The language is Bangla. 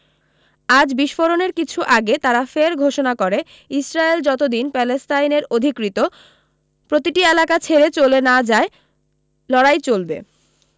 আজ বিস্ফোরণের কিছু আগে তারা ফের ঘোষণা করে ইজরায়েল যত দিন প্যালেস্তাইনের অধিকৃত প্রতিটি এলাকা ছেড়ে চলে না যায় লড়াই চলবে